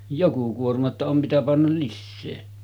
joku kuorma jotta on mitä panna lisää